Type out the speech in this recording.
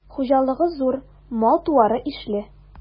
Хуҗалыгы зур, мал-туары ишле.